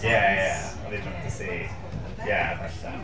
Ie, ie. And they dropped the C ie, falle.